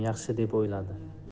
yaxshi deb uyladi